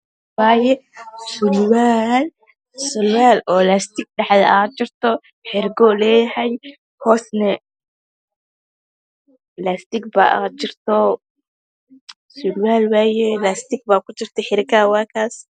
Halkan waxaa yalo sarwaal oo lastig dhaxda uga jiro